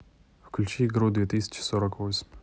включи игру две тысячи сорок восемь